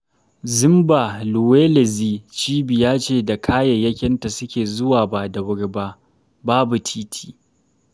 #Mzimba Luwelezi cibiya ce da kayayyakinta suke zuwa ba da wuri ba - babu titi.